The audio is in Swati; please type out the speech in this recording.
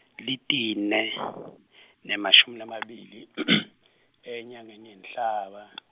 litine , nemashumi lamabili , enyanye nenhlaba .